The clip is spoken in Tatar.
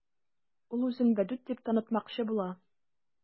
Ул үзен Вәдүт дип танытмакчы була.